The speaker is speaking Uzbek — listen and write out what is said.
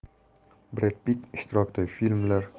bred pitt ishtirokidagi